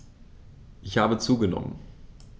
Ich habe zugenommen.